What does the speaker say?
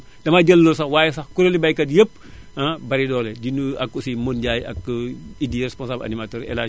dama jéllélé loolu sax waaye sax kuréelu baykat yépp bari doole di nuyu ak aussi Modou Ndiaye ak ak Idy di responsable animateur El Hadj